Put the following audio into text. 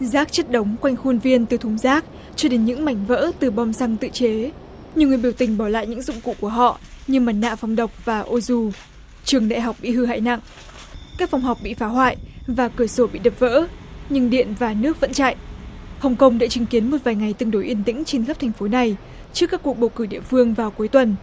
rác chất đống quanh khuôn viên từ thùng rác cho đến những mảnh vỡ từ bom xăng tự chế nhiều người biểu tình bỏ lại những dụng cụ của họ như mặt nạ phòng độc và ô du trường đại học bị hư hại nặng các phòng học bị phá hoại và cửa sổ bị đập vỡ nhưng điện và nước vẫn chạy hồng công để chứng kiến một vài ngày tương đối yên tĩnh trên khắp thành phố này trước các cuộc bầu cử địa phương vào cuối tuần